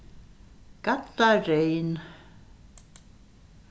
gaddareyn